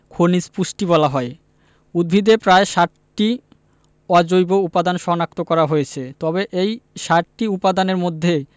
খনিজ পুষ্টি বলা হয় উদ্ভিদে প্রায় ৬০টি অজৈব উপাদান শনাক্ত করা হয়েছে তবে এই ৬০টি উপাদানের মধ্যে